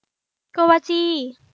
โกวาจี